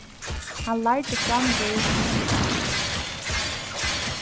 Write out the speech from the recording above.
hann lærdi framvegis um islam